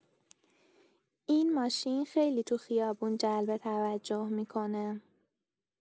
این ماشین خیلی تو خیابون جلب توجه می‌کنه.